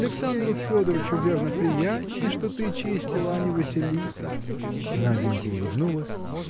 Александру Федорычу, верно, приятнее, что ты чистила, а не Василиса. Наденька улыбнулась